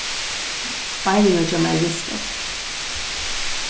beinini hjá mær ristast